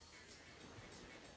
откажусь